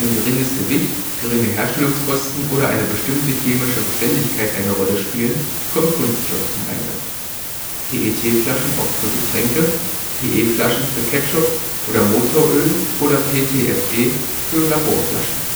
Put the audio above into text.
geringes Gewicht, geringe Herstellungskosten oder eine bestimmte chemische Beständigkeit eine Rolle spielen kommt Kunststoff zum Einsatz. PET-Flaschen oft für Getränke, PE-Flaschen für Ketchup oder Motoröl oder PTFE für Laborflaschen